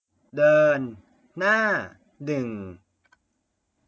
เดินหน้าหนึ่ง